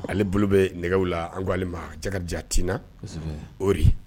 Ale bolo bɛ nɛgɛw la an ko ale ma Jakarija Tina, kosɛbɛ, Ori